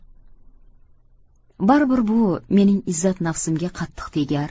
bari bir bu mening izzat nafsimga qattiq tegar